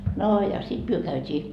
no ja sitten me käytiin